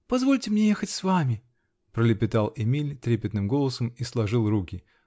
позвольте мне ехать с вами, -- пролепетал Эмиль трепетным голосом и сложил руки.